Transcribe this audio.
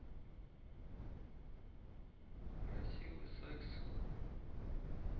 красивый секс